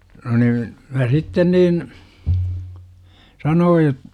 no niin minä sitten niin sanoin -